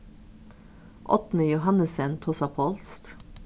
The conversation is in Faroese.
árni johannesen tosar pólskt